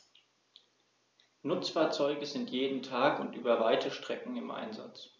Nutzfahrzeuge sind jeden Tag und über weite Strecken im Einsatz.